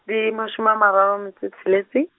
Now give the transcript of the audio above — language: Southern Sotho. ke mashome a meraro metso e tsheletse.